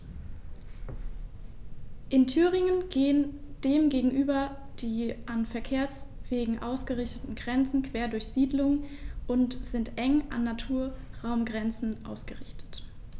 In Thüringen gehen dem gegenüber die an Verkehrswegen ausgerichteten Grenzen quer durch Siedlungen und sind eng an Naturraumgrenzen ausgerichtet.